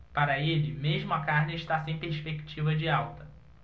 para ele mesmo a carne está sem perspectiva de alta